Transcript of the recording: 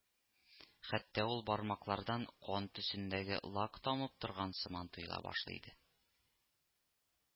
Хәтта ул бармаклардан кан төсендәге лак тамып торган сыман тоела башлый иде